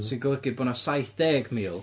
Sy'n golygu bod 'na saith deg mil